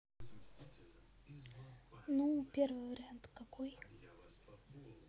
ну первый вариант какой